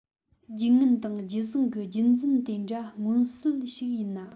རྒྱུད ངན དང རྒྱུད བཟང གི རྒྱུད འཛིན དེ འདྲ མངོན གསལ ཞིག ཡིན ན